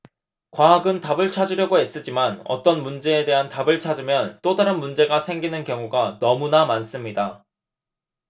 과학은 답을 찾으려고 애쓰지만 어떤 문제에 대한 답을 찾으면 또 다른 문제가 생기는 경우가 너무나 많습니다